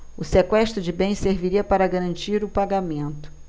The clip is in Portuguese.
o sequestro de bens serviria para garantir o pagamento